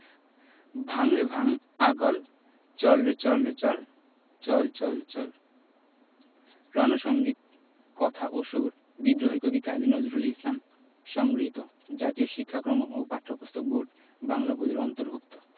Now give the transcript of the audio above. ভাঙ রে ভাঙ আগল চল রে চল রে চল চল চল চল রন সঙ্গীত কথা ও সুর বিদ্রোহী কবি কাজী নজরুল ইসলাম সংগৃহীত জাতীয় শিক্ষাক্রম ও পাঠ্যপুস্তক বোর্ড বাংলা বই এর অন্তর্ভুক্ত